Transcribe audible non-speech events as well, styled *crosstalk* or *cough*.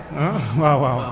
*hesitation* *hesitation*